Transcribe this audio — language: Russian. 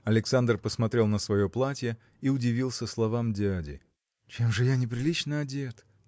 Александр посмотрел на свое платье и удивился словам дяди. Чем же я неприлично одет?